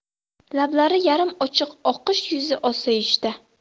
lablari yarim ochiq oqish yuzi osoyishta